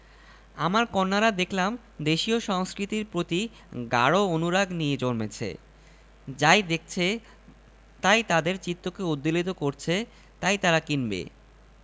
আমার কন্যারা দেখলাম দেশীয় সংস্কৃতির প্রতি গাঢ় অনুরাগ নিয়ে জন্মেছে যাই দেখাচ্ছে তাই তাদের চিত্তকে উদ্বেলিত করছে তাই তারা কিনবে